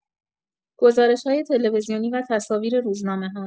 گزارش‌های تلویزیونی و تصاویر روزنامه‌ها